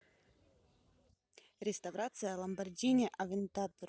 реставрация lamborghini aventador